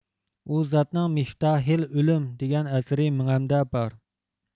ئۇ زاتنىڭ مىفتاھىل ئۆلۈم دېگەن ئەسىرى مېڭەمدە بار